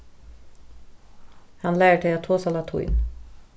hann lærir tey at tosa latín